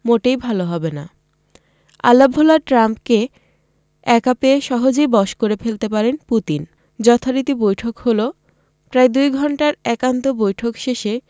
মোটেই ভালো হবে না আলাভোলা ট্রাম্পকে একা পেয়ে সহজেই বশ করে ফেলতে পারেন পুতিন যথারীতি বৈঠক হলো প্রায় দুই ঘণ্টার একান্ত বৈঠক শেষে